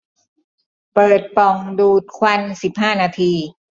เปิดปล่องดูดควันสิบห้านาที